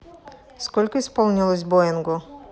сколько исполнилось боингу